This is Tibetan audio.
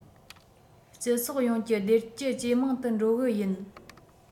སྤྱི ཚོགས ཡོངས ཀྱི བདེ སྐྱིད ཇེ མང དུ འགྲོ གི ཡོད